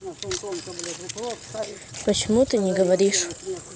почему ты не говоришь